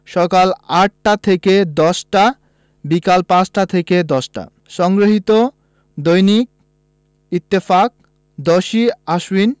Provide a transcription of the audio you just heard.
সকাল ৮টা থেকে ১০টা বিকাল ৫টা থেকে ১০টা সংগৃহীত দৈনিক ইত্তেফাক ১০ই আশ্বিন